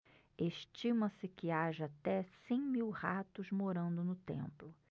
estima-se que haja até cem mil ratos morando no templo